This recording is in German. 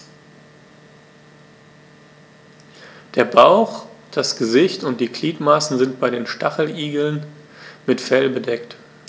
Der Bauch, das Gesicht und die Gliedmaßen sind bei den Stacheligeln mit Fell bedeckt.